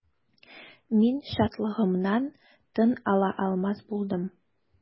Мин шатлыгымнан тын ала алмас булдым.